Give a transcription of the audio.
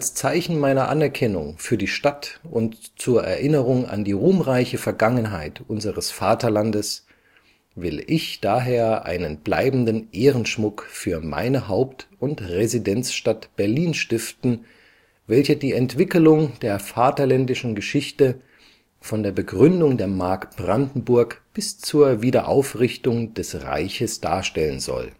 Zeichen Meiner Anerkennung für die Stadt und zur Erinnerung an die ruhmreiche Vergangenheit unseres Vaterlandes will Ich daher einen bleibenden Ehrenschmuck für Meine Haupt - und Residenzstadt Berlin stiften, welcher die Entwickelung der vaterländischen Geschichte von der Begründung der Mark Brandenburg bis zur Wiederaufrichtung des Reiches darstellen soll